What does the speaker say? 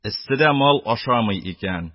Эсседә мал ашамый икән.